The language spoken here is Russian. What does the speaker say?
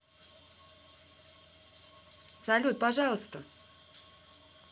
салют пожалуйста